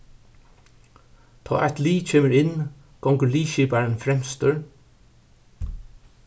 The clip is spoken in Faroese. tá eitt lið kemur inn gongur liðskiparin fremstur